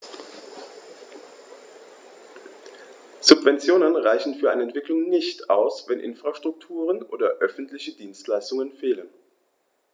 Subventionen reichen für eine Entwicklung nicht aus, wenn Infrastrukturen oder öffentliche Dienstleistungen fehlen.